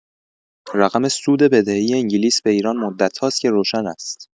رقم سود بدهی انگلیس به ایران مدت هاست که روشن است.